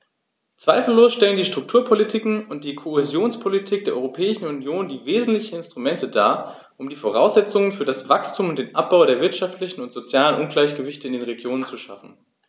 Zweifellos stellen die Strukturpolitiken und die Kohäsionspolitik der Europäischen Union die wesentlichen Instrumente dar, um die Voraussetzungen für das Wachstum und den Abbau der wirtschaftlichen und sozialen Ungleichgewichte in den Regionen zu schaffen.